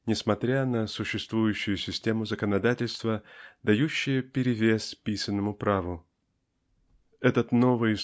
несмотря на существующую систему законодательства дающую перевес писаному праву. Этот новый